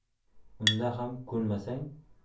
unda ham ko'nmasang